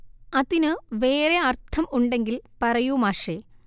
അതിനു വേറേ അർത്ഥം ഉണ്ടെങ്കിൽ പറയൂ മാഷേ